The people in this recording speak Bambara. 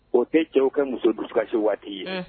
O tɛ cɛw ka muso dusukasi waati ye